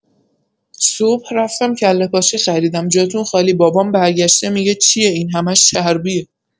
صبح رفتم کله‌پاچه خریدم جاتون خالی بابام برگشته می‌گه چیه این همش چربیه